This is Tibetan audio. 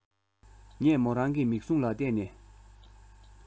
ངས མོ རང གི མིག གཟུངས ལ ལྟས ནས